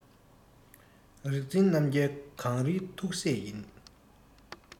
རིག འཛིན རྣམ རྒྱལ གངས རིའི ཐུགས སྲས ཡིན